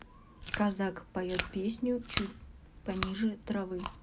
казак поет песню чуть пониже травы